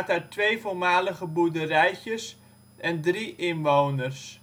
uit twee voormalige boerderijtjes en drie inwoners